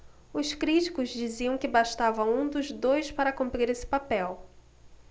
os críticos diziam que bastava um dos dois para cumprir esse papel